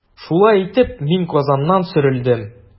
Шулай итеп, мин Казаннан сөрелдем.